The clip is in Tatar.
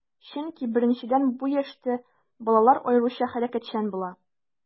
Чөнки, беренчедән, бу яшьтә балалар аеруча хәрәкәтчән була.